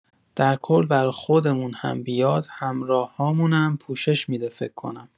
در کل برا خودمون هم بیاد همراهامونم پوشش می‌ده فکر کنم